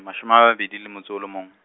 mashome a mabedi le motso o le mong.